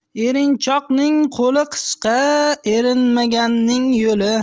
erinchoqning qo'li qisqa erinmaganning yo'li